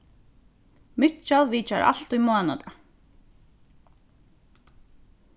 mikkjal vitjar altíð mánadag